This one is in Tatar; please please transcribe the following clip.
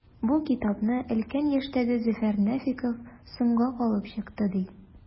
Бу китапны өлкән яшьтәге Зөфәр Нәфыйков “соңга калып” чыкты, ди.